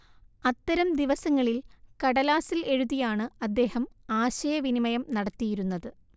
അത്തരം ദിവസങ്ങളിൽ കടലാസിൽ എഴുതിയാണ് അദ്ദേഹം ആശയവിനിമയം നടത്തിയിരുന്നത്